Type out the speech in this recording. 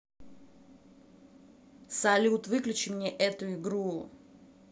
салют выключи мне эту игру